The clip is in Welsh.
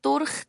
dwrch